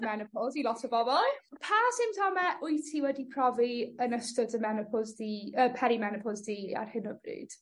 menopos i lot o bobol. Pa symptome wyt ti wedi profi yn ystod dy menopos di yy peri-menopos di ar hyn o bryd?